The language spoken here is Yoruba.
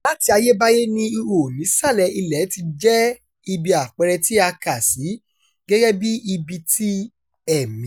Láti ayébáyé ni ihò nísàlẹ̀ ilẹ̀ ti jẹ́ ibi àpẹẹrẹ tí a kà sí gẹ́gẹ́ bí ibi ti ẹ̀mí.